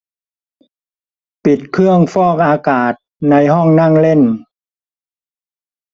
ปิดเครื่องฟอกอากาศในห้องนั่งเล่น